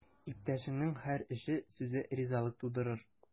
Иптәшеңнең һәр эше, сүзе ризалык тудырыр.